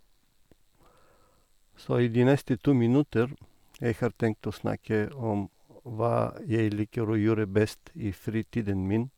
Så i de neste to minutter, jeg har tenkt å snakke om hva jeg liker å gjøre best i fritiden min.